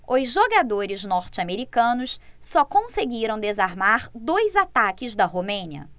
os jogadores norte-americanos só conseguiram desarmar dois ataques da romênia